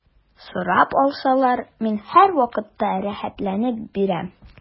Сорап алсалар, мин һәрвакытта рәхәтләнеп бирәм.